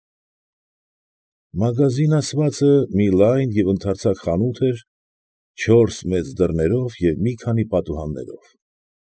Մագազին ասված բանըր մի լայն և ընդարձակ խանութ էր չորս մեծ դռներով և մի քանի պատուհաններով։